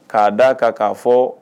K'a d da a kan k'a fɔ